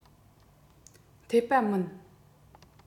འཐད པ མིན